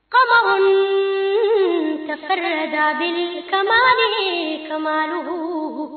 Kamalensonin kasɛ da kain kadugu